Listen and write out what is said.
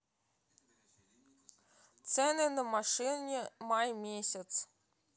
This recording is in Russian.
цены на машины май месяц